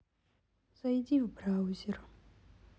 зайти в браузер